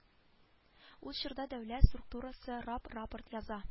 Ул чорда дәүләт структурасы рап рапорт яза